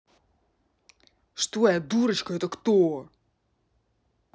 что я дурочка это кто